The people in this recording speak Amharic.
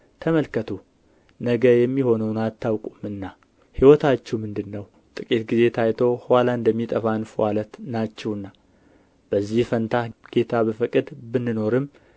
ተመልከቱ ነገ የሚሆነውን አታውቁምና ሕይወታችሁ ምንድር ነው ጥቂት ጊዜ ታይቶ ኋላ እንደሚጠፋ እንፍዋለት ናችሁና በዚህ ፈንታ ጌታ ቢፈቅድ ብንኖርም